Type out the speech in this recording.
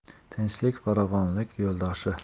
tinchlik farovonlik yo'ldoshi